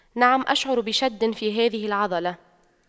نعم اشعر بشد في هذه العضلة